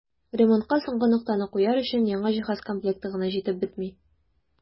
Ремонтка соңгы ноктаны куяр өчен яңа җиһаз комплекты гына җитеп бетми.